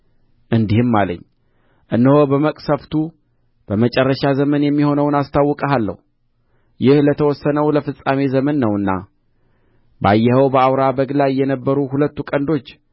እንዲህም አለኝ እነሆ በመቅሠፍቱ በመጨረሻ ዘመን የሚሆነውን አስታውቅሃለሁ ይህ ለተወሰነው ለፍጻሜ ዘመን ነውና ባየኸው በአውራው በግ ላይ የነበሩ ሁለቱ ቀንዶች